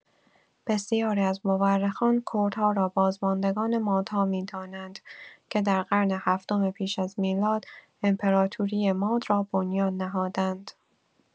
بسیاری از مورخان، کردها را بازماندگان مادها می‌دانند که در قرن هفتم پیش از میلاد امپراتوری ماد را بنیان نهادند.